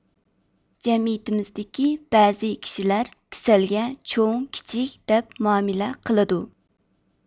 جەمئىيىتىمىزدىكى بەزى كىشىلەر كېسەلگە چوڭ كىچىك دەپ مۇئامىلە قىلىدۇ